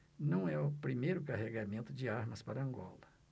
não é o primeiro carregamento de armas para angola